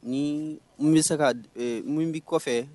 Ni n bi se ka . Ni n bi kɔfɛ